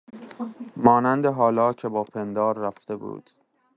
مانند حالا که با پندار رفته بود.